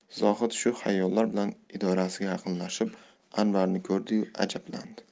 zohid shu xayollar bilan idorasiga yaqinlashib anvarni ko'rdi yu ajablandi